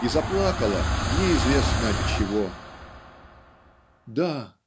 И заплакала, неизвестно отчего. Да